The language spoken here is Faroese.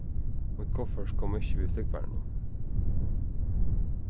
mítt kuffert kom ikki við flúgvaranum